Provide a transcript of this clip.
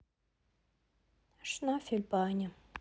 шнафель банни